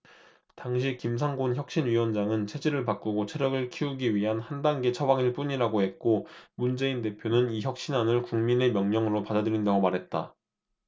당시 김상곤 혁신위원회장은 체질을 바꾸고 체력을 키우기 위한 한 단계 처방일 뿐이라고 했고 문재인 대표는 이 혁신안을 국민의 명령으로 받아들인다고 말했다